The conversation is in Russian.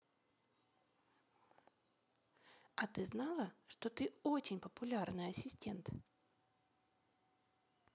а ты знала что ты очень популярный ассистент